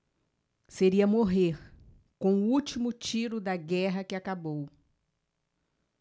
seria morrer com o último tiro da guerra que acabou